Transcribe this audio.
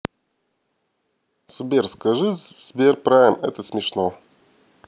сбер скажи сберпрайм это смешно